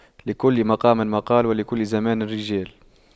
لكل مقام مقال ولكل زمان رجال